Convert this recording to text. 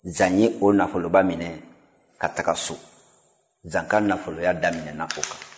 zan ye o nafoloba minɛ ka taga so zan ka nafoloya daminɛna o kan